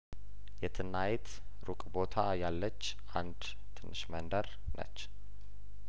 የትና የት ሩቅ ቦታ ያለች አንድ ትንሽ መንደርነች